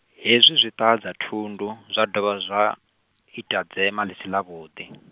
hezwi zwi ṱahadza thundu zwa dovha zwa, ita dzema ḽi si ḽavhuḓi .